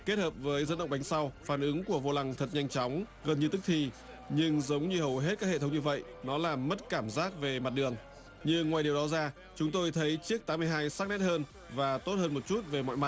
kết hợp với dẫn động bánh sau phản ứng của vô lăng thật nhanh chóng gần như tức thì nhưng giống như hầu hết các hệ thống như vậy nó làm mất cảm giác về mặt đường nhưng ngoài điều đó ra chúng tôi thấy chiếc tám mươi hai sắc nét hơn và tốt hơn một chút về mọi mặt